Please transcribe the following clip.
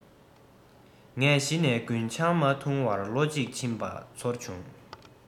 ངས གཞི ནས རྒུན ཆང མ འཐུང བར ལོ གཅིག ཕྱིན པ ཚོར བྱུང